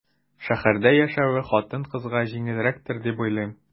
Шәһәрдә яшәве хатын-кызга җиңелрәктер дип уйлыйм.